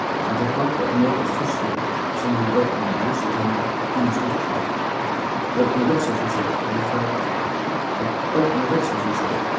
men tær plagdu at møtast týsdagar saman við børnunum og vístu teimum ymiskt stuttligt børnini vaksa so skjótt at vit fara at børnini vaksa so skjótt